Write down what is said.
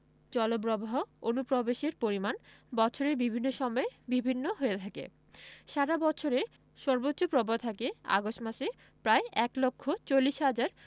জলপ্রবাহ অনুপ্রবেশের পরিমাণ বৎসরের বিভিন্ন সময়ে বিভিন্ন হয়ে থাকে সারা বৎসরের সর্বোচ্চ প্রবাহ থাকে আগস্ট মাসে প্রায় এক লক্ষ চল্লিশ হাজার